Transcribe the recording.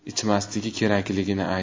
ichmasligi kerakligini aytishdi